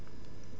xeetu